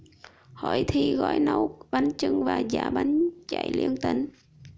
hội thi gói nấu bánh chưng và giã bánh dày liên tỉnh